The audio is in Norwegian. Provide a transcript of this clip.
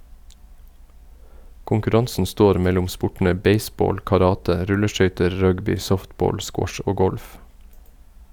Konkurransen står mellom sportene baseball, karate, rulleskøyter, rugby, softball, squash og golf.